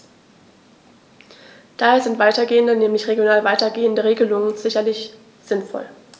Daher sind weitergehende, nämlich regional weitergehende Regelungen sicherlich sinnvoll.